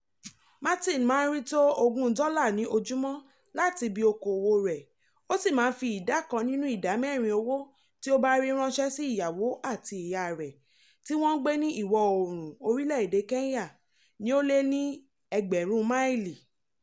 Martin máa ń rí to US$20 ní ojúmọ́ láti ibi okoòwò rẹ̀ ó sì máa ń fi ìdá kan nínú ìdá mẹ́rin owó tí ó bá rí ránṣẹ́ sí ìyàwó àti ìyá rẹ̀, tí wọ́n ń gbé ní Ìwọ̀ Oòrùn Orílẹ̀ èdè Kenya, ní o lé ní 100 máìlì.